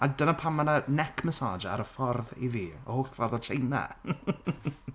A dyna pam ma' 'na neck massager ar y ffordd i fi o fatha Tseina .